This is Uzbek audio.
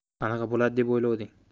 qanaqa bo'ladi deb o'ylovding